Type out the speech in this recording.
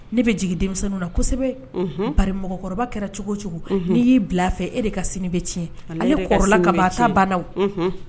Ne bɛ jigi denmisɛnnin na kosɛbɛ ba mɔgɔkɔrɔba kɛra cogo cogo n'i y'i bila fɛ e de ka sini bɛ tiɲɛ ale kɔrɔ ka tan banw